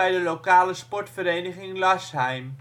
de lokale sportvereniging " Larsheim